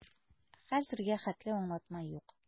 Хәзергә хәтле аңлатма юк.